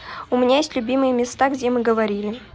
у меня есть любимые места где мы говорили